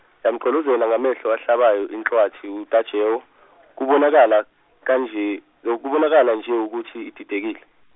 yamgqolozela ngamehlo ahlabayo inhlwathi uTajewo , kubonakala kanje ukuthi ididekile.